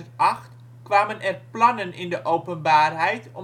kwamen er plannen in de openbaarheid